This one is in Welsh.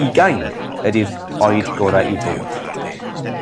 Ugain ydi'r oed gorau i fod.